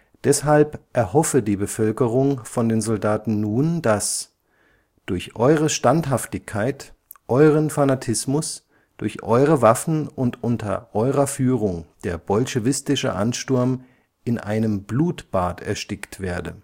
Deshalb erhoffe die Bevölkerung von den Soldaten nun, dass „ durch eure Standhaftigkeit, euren Fanatismus, durch eure Waffen und unter eurer Führung der bolschewistische Ansturm in einem Blutbad erstickt “werde